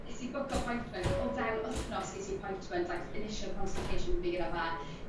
...nes i bwco 'pointment o fewn wthnos ges i appointment like initial consultation fi gyda fe